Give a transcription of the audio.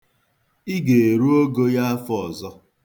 Ị ga-eru ogo ya afọ ọzọ.